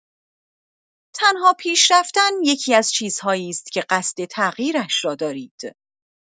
تنها پیش‌رفتن یکی‌از چیزهایی است که قصد تغییرش را دارید.